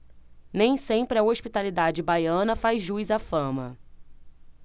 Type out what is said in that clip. nem sempre a hospitalidade baiana faz jus à fama